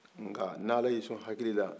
nga ni ala y'i sɔ hakili la